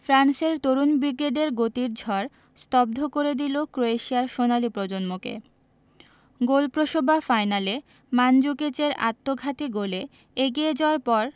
ফ্রান্সের তরুণ ব্রিগেডের গতির ঝড় স্তব্ধ করে দিল ক্রোয়েশিয়ার সোনালি প্রজন্মকে গোলপ্রসবা ফাইনালে মানজুকিচের আত্মঘাতী গোলে এগিয়ে যাওয়ার পর